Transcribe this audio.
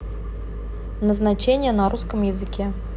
назначение на русском языке